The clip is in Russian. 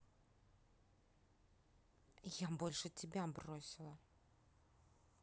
я больше тебя бросила